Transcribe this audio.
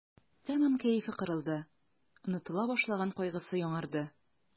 Тәмам кәефе кырылды, онытыла башлаган кайгысы яңарды.